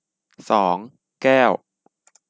สองแก้ว